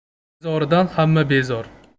bezoridan hamma bezor